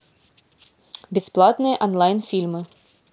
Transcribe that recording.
бесплатные онлайн фильмы